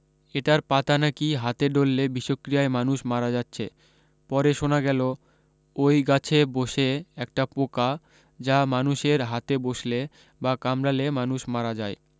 এটার পাতা নাকি হাতে ডললে বিষক্রিয়ায় মানুষ মারা যাচ্ছে পরে শোনা গেলো অই গাছে বসে একটা পোকা যা মানুষের হাতে বসলে বা কামড়ালে মানুষ মারা যায়